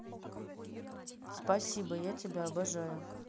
спасибо я тебя обожаю